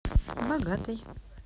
богатой